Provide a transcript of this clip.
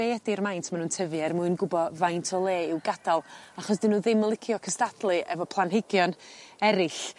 be' ydi'r maint ma' nw'n tyfu er mwyn gwbo faint o le i'w gadal achos 'dyn n'w ddim y licio cystadlu efo planhigion eryll.